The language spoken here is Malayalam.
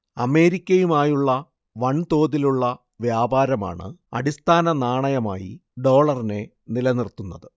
അമേരിക്കയുമായുള്ള വൻതോതിലുള്ള വ്യാപാരമാണ് അടിസ്ഥാന നാണയമായി ഡോളറിനെ നിലനിർത്തുന്നത്